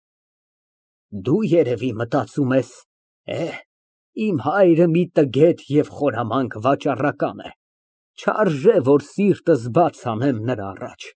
Դու, երևի, մտածում ես, էհ, իմ հայրը մի տգետ և խորամանկ վաճառական է, չարժե, որ սիրտս բաց անեմ նրա առաջ։